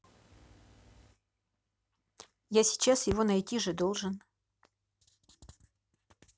я сейчас его найти же должен